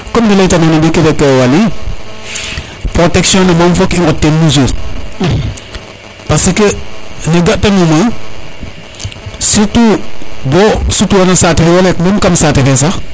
comme ne leyta nona ndiki rek Waly protection moom fok i ŋot ten mesure parce que ne gata numa surtout bo sut wona saate fe sax wala kam saate fe